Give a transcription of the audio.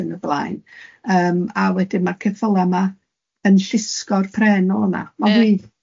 ac yn y blaen, yym a wedyn ma' ceffyla 'ma yma yn llusgo'r pren o'na.